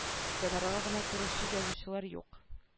Гонорарга гына торучы язучылар юк